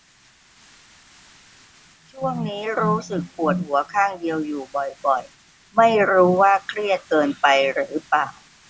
ช่วงนี้รู้สึกปวดหัวข้างเดียวอยู่บ่อยบ่อยไม่รู้ว่าเครียดเกินไปหรือเปล่า